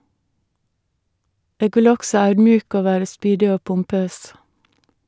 Eg vil også audmjuke og vere spydig og pompøs.